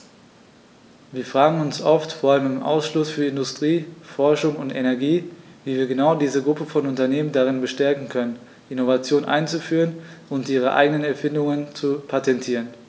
Wir fragen uns oft, vor allem im Ausschuss für Industrie, Forschung und Energie, wie wir genau diese Gruppe von Unternehmen darin bestärken können, Innovationen einzuführen und ihre eigenen Erfindungen zu patentieren.